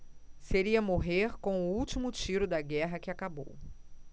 seria morrer com o último tiro da guerra que acabou